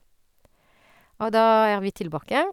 Og da er vi tilbake.